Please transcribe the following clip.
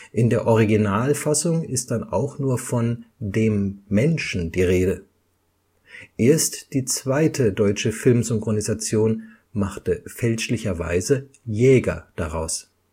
In der Originalfassung ist dann auch nur von „ Man “(dem Menschen) die Rede, erst die 2. deutsche Filmsynchronisation machte fälschlicherweise „ Jäger “daraus